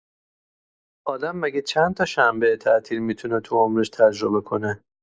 آدم مگه چندتا شنبه تعطیل می‌تونه تو عمرش تجربه کنه؟